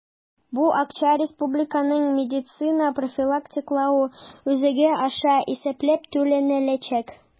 Бу акча Республиканың медицина профилактикалау үзәге аша исәпләп түләнеләчәк.